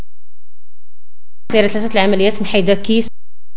العمليات من حيدر